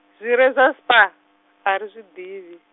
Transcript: zwire zwa Spar, ari zwi nḓivhi.